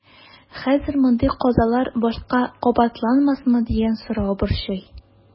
Хәзер мондый казалар башка кабатланмасмы дигән сорау борчый.